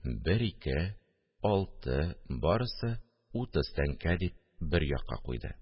– бер-ике... алты... барысы утыз тәңкә, – дип, бер якка куйды